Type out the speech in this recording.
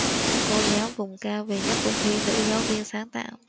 cô giáo vùng cao về nhất cuộc thi nữ giáo viên sáng tạo